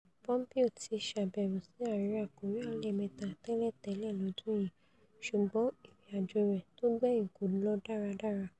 Pompeo ti ṣàbẹ̀wò sí Àríwá Kòríà lẹ́ẹ̀mẹta tẹ́lẹ̀tẹ́lẹ̀ lọ́dún yìí, ṣùgbọ́n ìrìn-àjò rẹ̵̵̀ tógbẹ̀yìn kò lọ dáradára.